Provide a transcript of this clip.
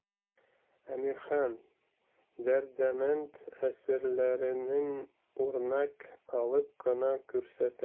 Әмирхан, Дәрдемәнд әсәрләреннән үрнәк алып кына күрсәтә.